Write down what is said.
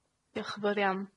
Dioch yn fowr iawn.